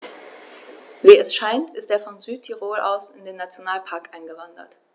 Wie es scheint, ist er von Südtirol aus in den Nationalpark eingewandert.